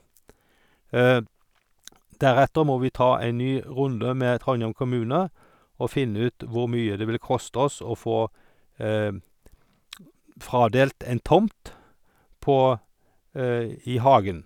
Deretter må vi ta ei ny runde med Trondhjem kommune, og finne ut hvor mye det vil koste oss å få fradelt en tomt på i hagen.